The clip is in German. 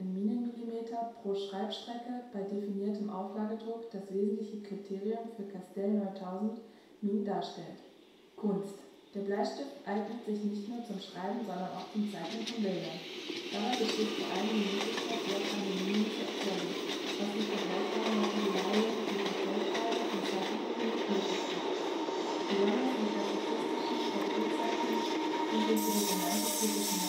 Minen-Millimeter pro Schreibstrecke bei definiertem Auflagedruck das wesentliche Kriterium für Castell-9000-Minen darstellt. Bleistiftzeichnung von zwei Wellensittichen auf starkem Zeichenpapier Verschiedene Künstlerstifte; links zwei Graphitstifte, rechts Kohle - und Kreidestifte/PITT-Stifte Der Bleistift eignet sich nicht nur zum Schreiben, sondern auch zum Zeichnen von Bildern. Dabei besticht vor allem die Möglichkeit, sehr feine Linien zu erzeugen, was mit vergleichbaren Materialien wie Pastellkreide und Zeichenkohle nicht möglich ist. Besonders in klassizistischen Portraitzeichnungen und den für die Romantik typischen